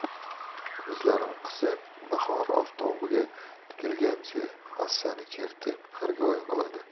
ko'zlarini qisib bahor oftobiga tikilgancha hassasini chertib xirgoyi qiladi